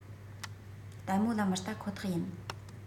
ལྟད མོ ལ མི ལྟ ཁོ ཐག ཡིན